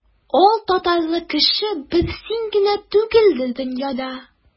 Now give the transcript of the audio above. Алтатарлы кеше бер син генә түгелдер дөньяда.